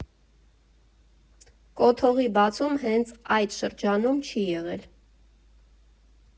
Կոթողի բացում հենց այդ շրջանում չի եղել.